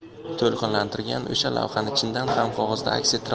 to'lqinlantirgan o'sha lavhani chindan ham qog'ozda aks